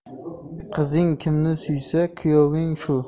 qizing kimni suysa kuyoving shu